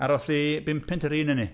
A roth hi 5 punt yr un i ni.